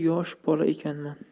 yosh bola ekanman